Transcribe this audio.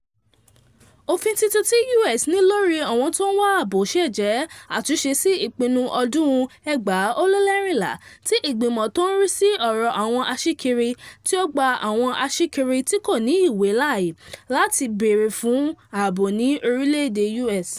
Òfin titun tí US ní lórí àwọn tó ń wá ààbò ṣe jẹ́ àtúnṣe sí ipinnu ọdún 2014 tí ìgbìmọ̀ tó ń rí sí ọ̀rọ̀ àwọn aṣíkiri tí ó gba àwọn aṣíkiri tí kò ní ìwé láyè láti bèèrè fún ààbò ní orílẹ̀èdè US.